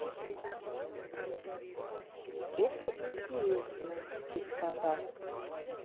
это интересно ты сказал